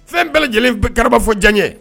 Fɛn bɛɛ lajɛlen bɛ karaba fɔ diya ye